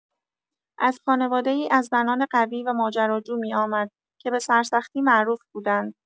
از خانواده‌ای از زنان قوی و ماجراجو می‌آمد که به سرسختی معروف بودند.